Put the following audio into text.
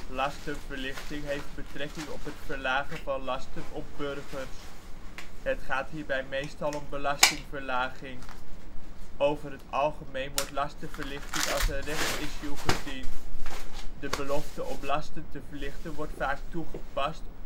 Lastenverlichting heeft betrekking op het verlagen van lasten op burgers. Het gaat hierbij meestal om belastingverlaging. Over het algemeen wordt lastenverlichting als een rechts issue gezien. De belofte om lasten te verlichten wordt vaak toegepast